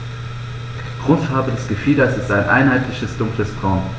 Grundfarbe des Gefieders ist ein einheitliches dunkles Braun.